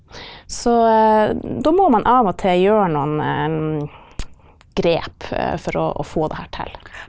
så da må man av og til gjøre noen grep for å å få det her til.